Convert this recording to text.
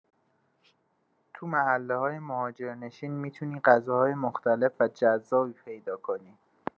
تو محله‌های مهاجرنشین می‌تونی غذاهای مختلف و جذابی پیدا کنی.